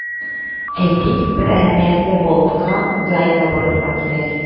Әйтик, бер әһәмиятле болтка гайка борырга кирәк.